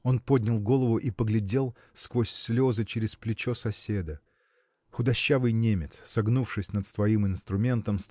Он поднял голову и поглядел сквозь слезы через плечо соседа. Худощавый немец согнувшись над своим инструментом